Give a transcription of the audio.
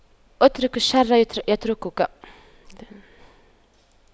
اترك الشر يتركك